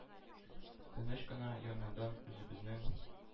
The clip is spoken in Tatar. Тыныч кына яңадан үзебезнең